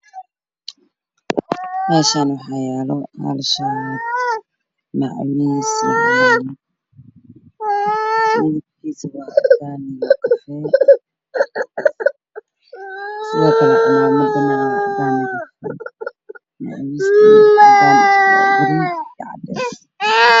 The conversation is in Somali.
Meshan waxaa yaalo hal shaar macawiis iyo cimaamad madabkiisu waa cadaan iyo kafeey sidoo kale cimaamadana waa cadaan iyo kafee macawiistana waa gaduud iyo cadees